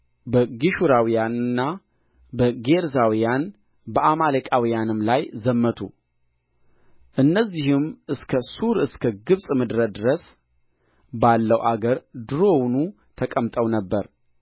በጌሹራውያንና በጌርዛውያን በአማሌቃውያንም ላይ ዘመቱ እነዚህም እስከ ሱር እስከ ግብጽ ምድር ድረስ ባለው አገር ድሮውኑ ተቀምጠው ነበር